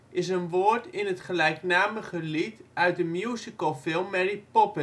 is een woord in het gelijknamige lied uit de musicalfilm Mary Poppins. Het